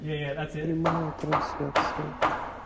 прямая трансляция